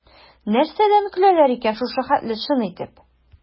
Нәрсәдән көләләр икән шушы хәтле чын итеп?